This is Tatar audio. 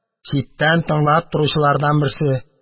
Читтән тыңлап торучылардан берсе: